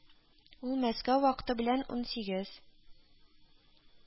Ул Мәскәү вакыты белән ун сигез